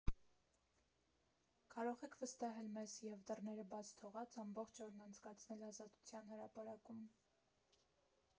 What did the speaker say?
Կարող եք վստահել մեզ, և դռները բաց թողած՝ ամբողջ օրն անցկացնել Ազատության հրապարակում։